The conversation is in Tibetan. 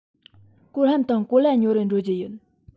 གོ ལྷམ དང གོ ལྭ ཉོ རུ འགྲོ རྒྱུ ཡིན